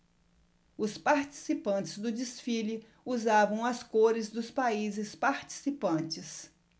os participantes do desfile usavam as cores dos países participantes